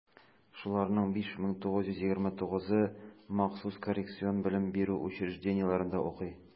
Шуларның 5929-ы махсус коррекцион белем бирү учреждениеләрендә укый.